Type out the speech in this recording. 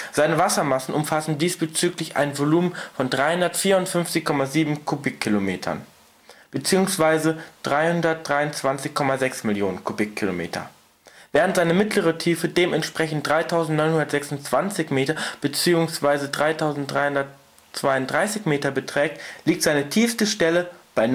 Seine Wassermassen umfassen diesbezüglich ein Volumen von 354,7 Mio. km³ (bzw. 323,6 Mio. km³). Während seine mittlere Tiefe dementsprechend 3.926 m (bzw. 3.332 m) beträgt, liegt seine tiefste Stelle bei